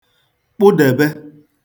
kpụdèbe